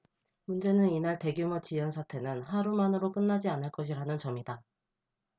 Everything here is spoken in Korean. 문제는 이날 대규모 지연 사태는 하루만으로 끝나지는 않을 것이라는 점이다